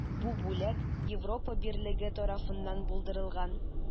Бу бүләк Европа берлеге тарафыннан булдырылган.